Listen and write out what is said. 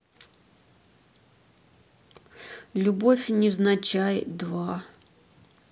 любовь невзначай два